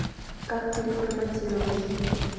как переформатировать